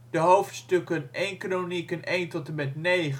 De hoofdstukken 1 Kronieken 1-9 bevatten